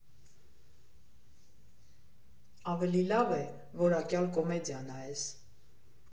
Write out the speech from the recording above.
Ավելի լավ է՝ որակյալ կոմեդիա նայես։